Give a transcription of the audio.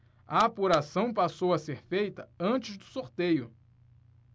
a apuração passou a ser feita antes do sorteio